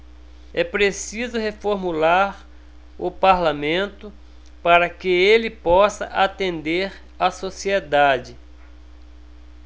é preciso reformular o parlamento para que ele possa atender a sociedade